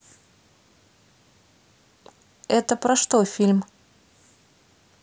это про что фильм